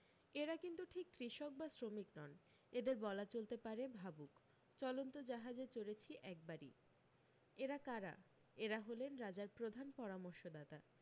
এরা কিন্তু ঠিক কৃষক বা শ্রমিক নন এদের বলা চলতে পারে ভাবুক চলন্ত জাহাজে চড়েছি একবারই এরা কারা এরা হলেন রাজার প্রধান পরামর্শদাতা